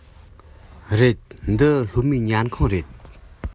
རེད འདི སློབ མའི ཉལ ཁང རེད